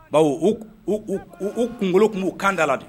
Bawu u u kunkolo kun b'u kan da la de.